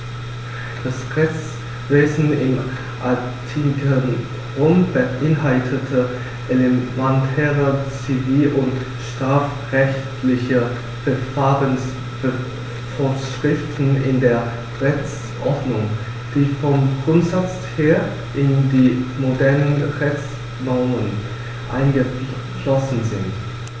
Das Rechtswesen im antiken Rom beinhaltete elementare zivil- und strafrechtliche Verfahrensvorschriften in der Rechtsordnung, die vom Grundsatz her in die modernen Rechtsnormen eingeflossen sind.